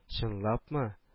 — чынлапмы